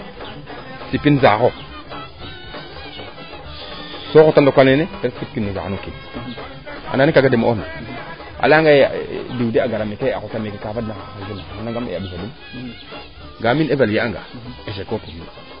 sipin saaxox so xota ndoka leene ret sip kin saate no kiin anda ne kaaga demo'oor na aleya ngaye diw de a gara meeke a xota kaa fad nangam e a ɓis ga'a mi im evaluer a nga echec o pour mi s